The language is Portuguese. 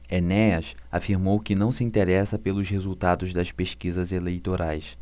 enéas afirmou que não se interessa pelos resultados das pesquisas eleitorais